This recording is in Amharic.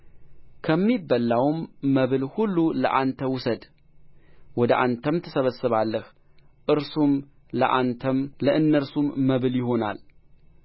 ከወፍ እንደ ወገኑ ከእንስሳም እንደ ወገኑ ከምድር ተንቀሳቃሽም ሁሉ እንደ ወገኑ በሕይወት ይኖሩ ዘንድ ሁለት ሁለት እየሆኑ ወደ አንተ ይግቡ